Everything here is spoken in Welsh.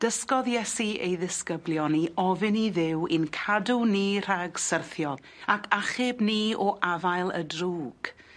Dysgodd Iesu ei ddisgyblion i ofyn i Dduw i'n cadw ni rhag syrthio ac achub ni o afael y drwg.